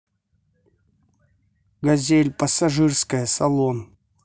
газель пассажирская салон